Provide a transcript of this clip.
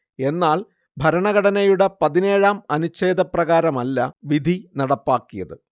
എന്നാൽ ഭരണഘടനയുടെ പതിനേഴാം അനുഛേദപ്രകാരമല്ല വിധി നടപ്പാക്കിയത്